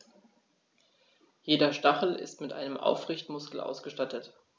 Jeder Stachel ist mit einem Aufrichtemuskel ausgestattet.